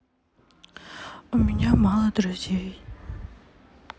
у меня мало друзей